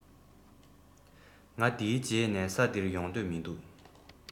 ང འདིའི རྗེས ནས ས འདིར ཡོང འདོད མི འདུག